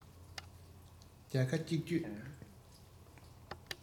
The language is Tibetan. བརྒྱ ཁ གཅིག གཅོད